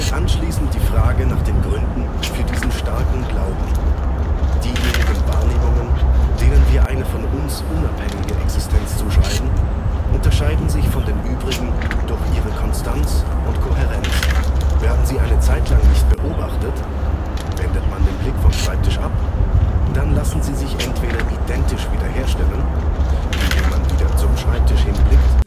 anschließend die Frage nach den Gründen für diesen starken Glauben. Diejenigen Wahrnehmungen, denen wir eine von uns unabhängige Existenz zuschreiben, unterscheiden sich von den übrigen durch ihre Konstanz und Kohärenz: Werden sie eine Zeit lang nicht beobachtet (wendet man den Blick vom Schreibtisch ab), dann lassen sie sich entweder identisch wiederherstellen (indem man wieder zum Schreibtisch hinblickt